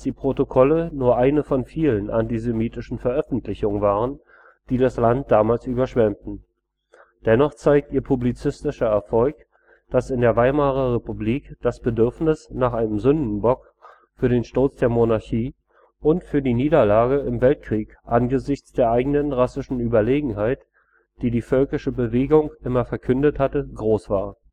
Protokolle nur eine von vielen antisemitischen Veröffentlichungen waren, die das Land damals überschwemmten. Dennoch zeigt ihr publizistischer Erfolg, dass in der Weimarer Republik das Bedürfnis nach einem Sündenbock für den Sturz der Monarchie und für die Niederlage im Weltkrieg angesichts der eigenen rassischen Überlegenheit, die die völkische Bewegung immer verkündet hatte, groß war